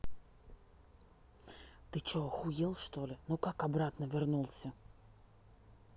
ты че охуел что ли ну как обратно вернулся